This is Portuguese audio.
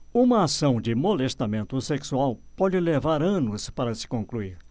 uma ação de molestamento sexual pode levar anos para se concluir